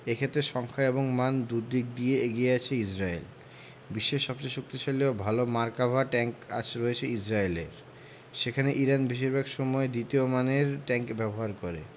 এ ক্ষেত্রে সংখ্যা ও মান দুদিক দিয়েই এগিয়ে আছে ইসরায়েল বিশ্বের সবচেয়ে শক্তিশালী ও ভালো মার্কাভা ট্যাংক রয়েছে ইসরায়েলের সেখানে ইরান বেশির ভাগ সময় দ্বিতীয় মানের ট্যাংক ব্যবহার করে